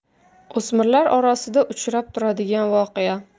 o'smirlar orasida uchrab turadigan voqea